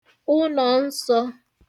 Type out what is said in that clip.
ụnò nsō